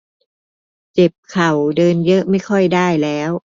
เจ็บเข่าเดินเยอะไม่ค่อยได้แล้ว